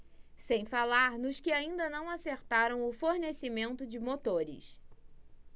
sem falar nos que ainda não acertaram o fornecimento de motores